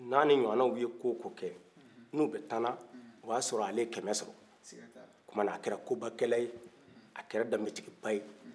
n'ani ɲwaana ye ko o ko kɛ ni u bɛ tan na o bɛ a sɔrɔ a le ye kɛmɛ sɔrɔ o kumana a kɛra koba kɛla ye a kɛra dambe tigiba ye